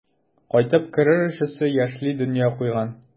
Кайтып керер өчесе яшьли дөнья куйган.